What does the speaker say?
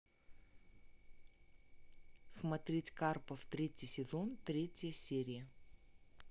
смотреть карпов третий сезон третья серия